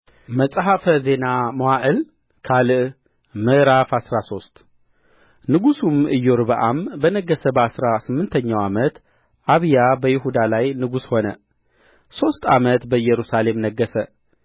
መጽሐፈ ዜና መዋዕል ካልዕ ምዕራፍ አስራ ሶስት ንጉሡም ኢዮርብዓም በነገሠ በአሥራ ስምንተኛው ዓመት አብያ በይሁዳ ላይ ንጉሥ ሆነ ሦስት ዓመት በኢየሩሳሌም ነገሠ